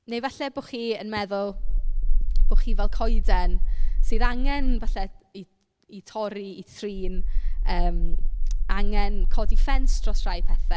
Neu falle bo' chi yn meddwl bo' chi fel coeden sydd angen falle ei ei torri, ei thrin yym angen codi ffens dros rai pethe.